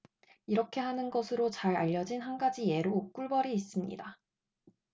이렇게 하는 것으로 잘 알려진 한 가지 예로 꿀벌이 있습니다